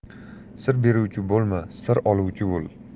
sir beruvchi bo'lma sir oluvchi bo'l